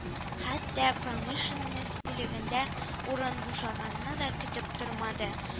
Хәтта промышленность бүлегендә урын бушаганны да көтеп тормады